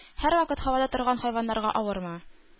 Һәрвакыт һавада торган хайваннарга авырмы?